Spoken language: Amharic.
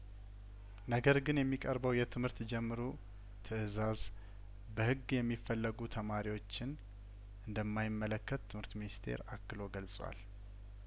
ነገር ግን የሚቀርበው የትምህርት ጀምሩ ትእዛዝ በህግ የሚፈለጉ ተማሪዎችን እንደማይመለከት ትምህርት ሚኒስቴር አክሎ ገልጿል